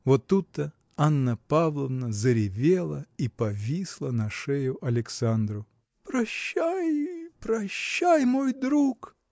Вот тут-то Анна Павловна заревела и повисла на шею Александру. – Прощай, прощай, мой друг!